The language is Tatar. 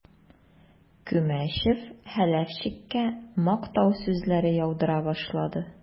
Күмәчев Хәләфчиккә мактау сүзләре яудыра башлады.